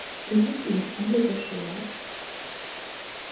Ләкин әлегә шулай.